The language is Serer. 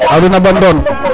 Arona Bandone